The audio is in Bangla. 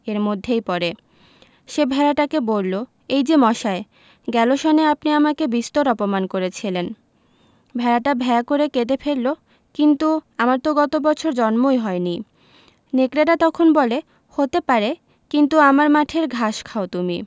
এর মধ্যেই পড়ে সে ভেড়াটাকে বলল এই যে মশাই গেল সনে আপনি আমাকে বিস্তর অপমান করেছিলেন ভেড়াটা ভ্যাঁ করে কেঁদে ফেলল কিন্তু আমার তো গত বছর জন্মই হয়নি নেকড়েটা তখন বলে হতে পারে কিন্তু আমার মাঠের ঘাস খাও তুমি